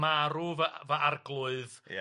Marw fy- fy- arglwydd... Ia.